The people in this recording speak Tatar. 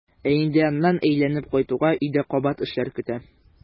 Ә инде аннан әйләнеп кайтуга өйдә кабат эшләр көтә.